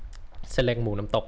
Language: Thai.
เส้นเล็กหมูน้ำตก